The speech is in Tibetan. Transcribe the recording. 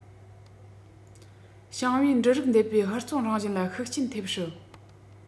ཞིང པའི འབྲུ རིགས འདེབས པའི ཧུར བརྩོན རང བཞིན ལ ཤུགས རྐྱེན ཐེབས སྲིད